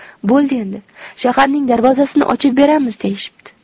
bo'ldi endi shaharning darvozasini ochib beramiz deyishibdi